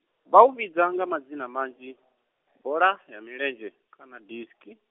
vha u vhidza nga madzina manzhi , boḽa ya milenzhe kana diski.